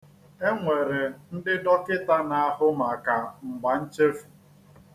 E nwere ndị dọkịta na-ahụ maka mgbanchefu.